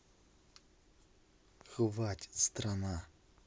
хватит страна